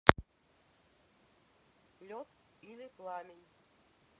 лед или пламень